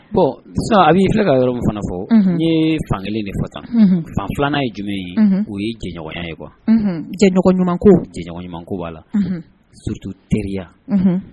Sisan a bɛ'i fɛ ka yɔrɔ min fana fɔ n ye fan kelen de fɔ tan fan filanan ye jumɛn ye o ye cɛɲɔgɔnya ye wa cɛ ɲuman cɛ ɲuman ko b'a la sutu teriya